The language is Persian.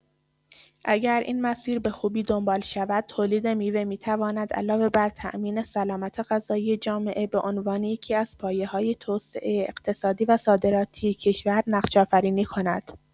اگر این مسیر به‌خوبی دنبال شود، تولید میوه می‌تواند علاوه بر تأمین سلامت غذایی جامعه، به عنوان یکی‌از پایه‌های توسعه اقتصادی و صادراتی کشور نقش‌آفرینی کند.